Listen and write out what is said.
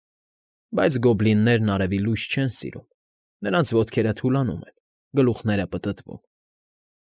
Բայց գոբլիններն արևի լույս չեն սիրում, նրանց ոտքերը թուլանում են, գլուխները պտտվում։